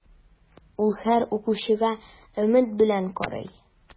Ул һәр укучыга өмет белән карый.